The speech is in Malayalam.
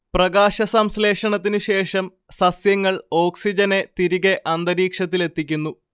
പ്രകാശ സംശ്ലേഷണത്തിനു ശേഷം സസ്യങ്ങൾ ഓക്സിജനെ തിരികെ അന്തരീക്ഷത്തിലെത്തിക്കുന്നു